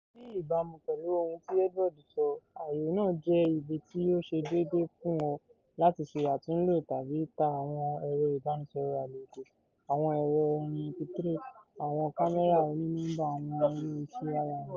Ní ìbámu pẹ̀lú ohun tí Edward sọ, ààyè náà "jẹ́ ibi tí ó ṣe déédéé fún ọ láti ṣe àtúnlò tàbí ta àwọn ẹ̀rọ ìbánisọ̀rọ̀ àlòkù, àwọn ẹ̀rọ orin mp3, àwọn kámẹ́rà òní nọ́mbà àwọn ẹ̀rọ ìṣirò ayàwòrán.